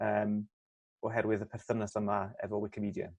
yym oherwydd y perthynas yma efo wicimedien